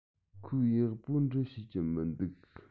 ཁོས ཡག པོ འབྲི ཤེས ཀྱི མི འདུག